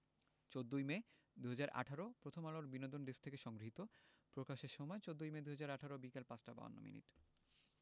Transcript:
১৪ই মে ২০১৮ প্রথমআলোর বিনোদন ডেস্কথেকে সংগ্রহীত প্রকাশের সময় ১৪মে ২০১৮ বিকেল ৫টা ৫২ মিনিট